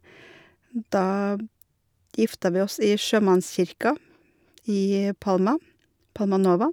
Da gifta vi oss i Sjømannskirka i Palma, Palma Nova.